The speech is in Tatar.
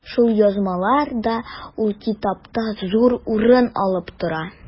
Шул язмалар да ул китапта зур урын алып тора.